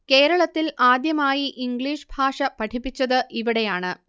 കേരളത്തിൽ ആദ്യമായി ഇംഗ്ലീഷ് ഭാഷ പഠിപ്പിച്ചത് ഇവിടെയാണ്